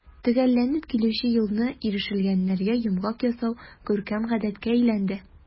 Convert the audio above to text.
Төгәлләнеп килүче елны ирешелгәннәргә йомгак ясау күркәм гадәткә әйләнде.